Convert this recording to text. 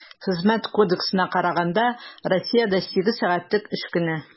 Хезмәт кодексына караганда, Россиядә сигез сәгатьлек эш көне.